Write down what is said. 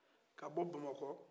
ka bɔ bamakɔ